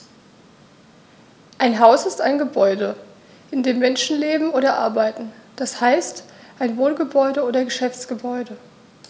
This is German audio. Ein Haus ist ein Gebäude, in dem Menschen leben oder arbeiten, d. h. ein Wohngebäude oder Geschäftsgebäude.